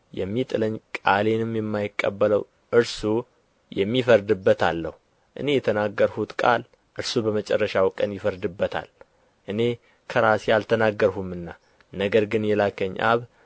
የሚጥለኝ ቃሌንም የማይቀበለው እርሱ የሚፈርድበት አለው እኔ የተናገርሁት ቃል እርሱ በመጨረሻው ቀን ይፈርድበታል እኔ ከራሴ አልተናገርሁምና ነገር ግን የላከኝ አብ